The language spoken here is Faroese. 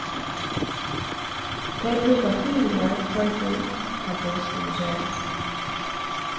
tey brúka týðiligar keipur tá boð skulu gevast